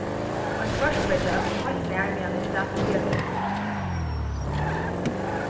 ein kvørkveggja kom heilt nær meðan eg sat í viðarlundini